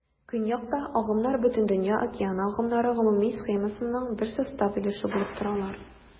Көньякта агымнар Бөтендөнья океан агымнары гомуми схемасының бер состав өлеше булып торалар.